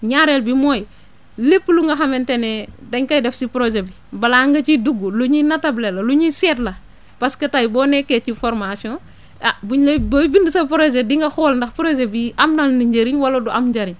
ñaareel bi mooy lépp lu nga xamante ne dañ koy def si projet bi balaa nga ciy dugg lu ñuy natable la lu ñuy seet la parce que tey boo nekkee ci formation ah bu ñu lay booy bind sa projet di nga xool ndax projet bii am na ñu njëriñ wala du am njëriñ